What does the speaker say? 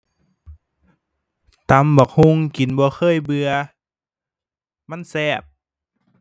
ตำบักหุ่งกินบ่เคยเบื่อ มันแซ่บ